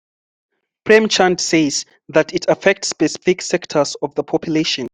Prem Chand says that it affects specific sectors of the population: